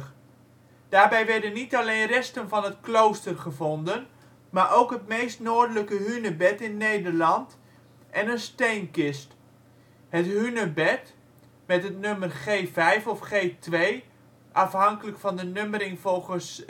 1986. Daarbij werden niet alleen resten van het klooster gevonden, maar ook het meest noordelijke hunebed in Nederland en een steenkist. Het hunebed (met het nummer G5 of G2, afhankelijk van de nummering volgens